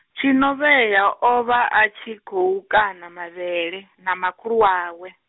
Tshinovhea o vha a tshi khou kana mavhele, na makhulu wawe.